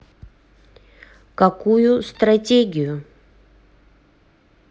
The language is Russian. какую стратегию